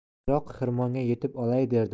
tezroq xirmonga yetib olay derdim